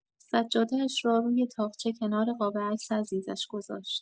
سجاده‌اش را روی طاقچه کنار قاب عکس عزیزش گذاشت.